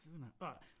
Beth o'dd wnna? O!